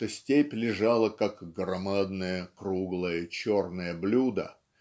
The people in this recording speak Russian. что степь лежала как "громадное круглое черное блюдо"